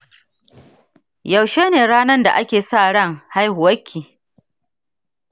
yaushe ne ranan da ake sa ran haihuwanki?